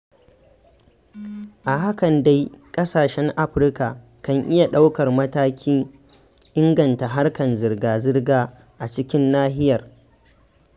A hakan dai, ƙasashen Afirka kan iya ɗaukar matakin inganta harkar zirga-zirga a cikin nahiyar.